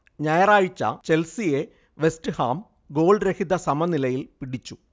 ഞായറാഴ്ച ചെൽസിയെ വെസ്റ്റ്ഹാം ഗോൾരഹിത സമനിലയിൽ പിടിച്ചു